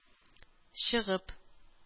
Чыгып